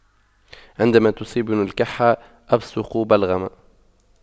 عندما تصيبني الكحة أبصق بلغما